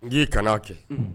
N'i kana' kɛ